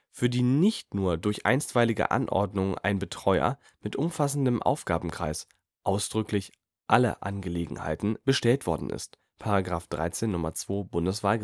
für die nicht nur durch einstweilige Anordnung ein Betreuer mit umfassendem Aufgabenkreis (ausdrücklich „ alle Angelegenheiten “) bestellt worden ist, § 13 Nr. 2